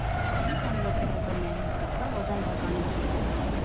Մի քանի րոպե հետո միայն հասկացա, որ դա իրականություն է։